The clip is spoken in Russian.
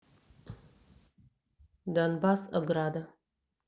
донбасс ограда